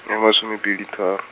e masomepedi tharo.